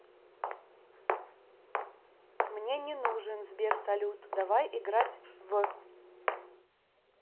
мне не нужен сберсалют давай играть в